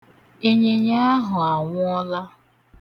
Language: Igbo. Ịnyịnya ahụ anwụọla.